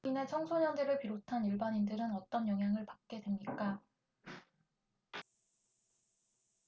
그로 인해 청소년들을 비롯한 일반인들은 어떤 영향을 받게 됩니까